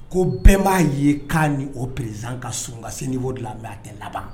Ko bɛɛ ba ye ka ni o président ka surun ka se niveau dɔ la nga ti laban.